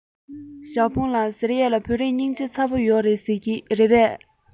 ཞའོ ཧྥུང ལགས ཟེར ཡས ལ བོད རིགས སྙིང རྗེ ཚ པོ ཡོད རེད ཟེར གྱིས རེད པས